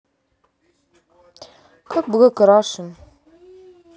как black russian